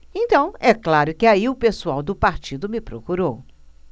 então é claro que aí o pessoal do partido me procurou